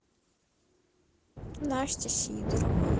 настя сидорова